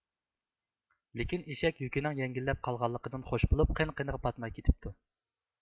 لىكىن ئىشەك يۈكنىڭ يەڭگىللەپ قالغانلىقىدىن خوش بۇلۇپ قېن قېنىغا پاتماي كىتىپتۇ